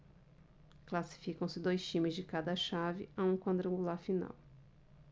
classificam-se dois times de cada chave a um quadrangular final